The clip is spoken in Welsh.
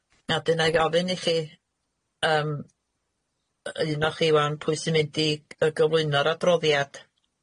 A 'dyn 'na i ofyn i chi, yym, yy un o chi ŵan, pwy sy'n mynd i yy gyflwyno'r adroddiad.